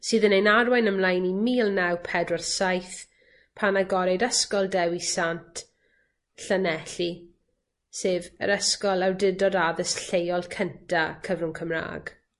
Sydd yn ein arwain ymlaen i mil naw pedwar saith pan agorwyd Ysgol Dewi Sant Llanelli, sef yr ysgol awdurdod addysg lleol cynta Cyfrwng Cymra'g.